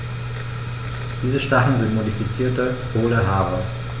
Diese Stacheln sind modifizierte, hohle Haare.